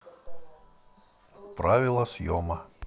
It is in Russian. правила съема